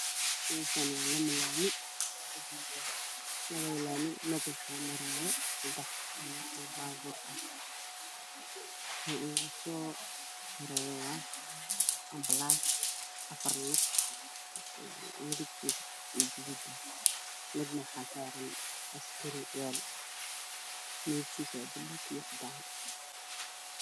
Meeshan waa laba laami labada laami mid waxaa marayo sadex gari oo baabuur ah kan ugu soo horeeyo waa anbalas afar lug midabkiisa guduud yahay midna waxaa saran askari iyo ciyaal midabkisu waa buluug iyo cadaan